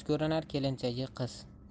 ko'rinar kelinchagi qiz